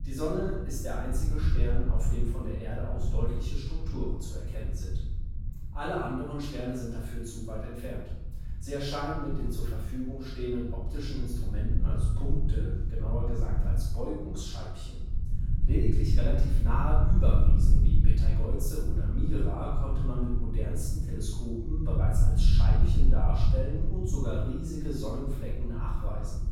Sonne ist der einzige Stern, auf dem von der Erde aus deutlich Strukturen zu erkennen sind. Alle anderen Sterne sind dafür zu weit entfernt. Sie erscheinen mit den zur Verfügung stehenden optischen Instrumenten als Punkte, genauer als Beugungsscheibchen. Lediglich relativ nahe Überriesen wie Beteigeuze oder Mira konnte man mit modernsten Teleskopen bereits als Scheibchen darstellen und sogar riesige Sonnenflecken nachweisen